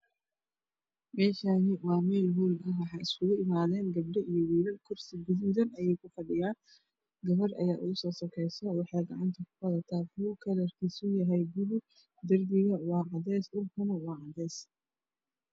Mashani waa meel hool ah waxaa ikugu imaaday gabdho iyo wiilaal mursi ayuu ku fadhiyaa gabar ayaa usoo sokeyso wexey wadata buug kalarkiisu yahay bulug derbigu waa cadees dhulkuna waa cadees